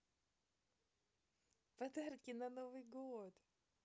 подарки на новый год